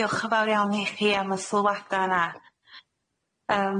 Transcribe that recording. Diolch yn fawr iawn i chi am y sylwada yna.